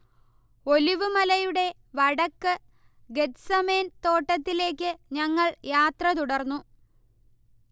olive മലയുടെ വടക്ക് Gethsemane തോട്ടത്തിലേക്ക് ഞങ്ങൾ യാത്ര തുടർന്നു